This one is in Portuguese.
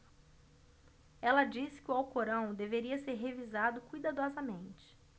ela disse que o alcorão deveria ser revisado cuidadosamente